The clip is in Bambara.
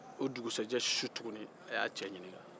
o dugusɛjɛ su tuguni a y'a cɛ ɲininkan